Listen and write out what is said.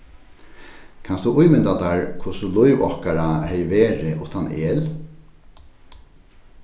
kanst tú ímynda tær hvussu lív okkara hevði verið uttan el